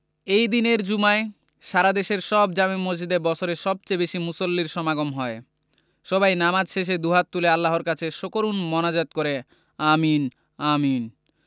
এ দিনের জুমায় সারা দেশের সব জামে মসজিদে বছরের সবচেয়ে বেশি মুসল্লির সমাগম হয় সবাই নামাজ শেষে দুহাত তুলে আল্লাহর কাছে সকরুণ মোনাজাত করে আমিন আমিন